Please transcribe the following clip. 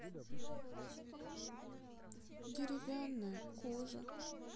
деревянная кожа